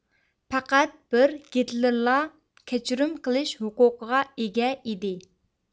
پەقەت بىر گىتلېرلا كەچۈرۈم قىلىش ھوقۇقىغا ئىگە ئىدى